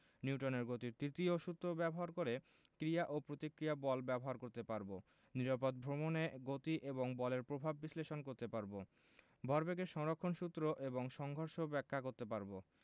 নিউটনের গতির তৃতীয় সূত্র ব্যবহার করে ক্রিয়া ও প্রতিক্রিয়া বল ব্যাখ্যা করতে পারব নিরাপদ ভ্রমণে গতি এবং বলের প্রভাব বিশ্লেষণ করতে পারব ভরবেগের সংরক্ষণ সূত্র ও সংঘর্ষ ব্যাখ্যা করতে পারব